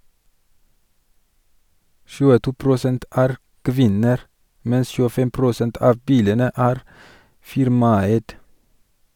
22 prosent er kvinner, mens 25 prosent av bilene er firmaeid.